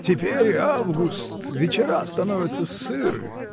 Теперь август: вечера становятся сыры.